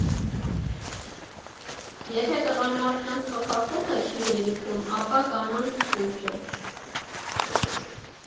Եթե տղամարդկանց ծխախոտը չի հերիքում, ապա կանանց՝ սուրճը։